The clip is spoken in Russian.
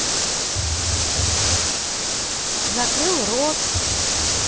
закрыл рот